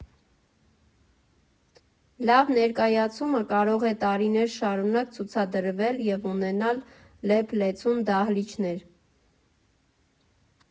Լավ ներկայացումը կարող է տարիներ շարունակ ցուցադրվել և ունենալ լեփ֊լեցուն դահլիճներ։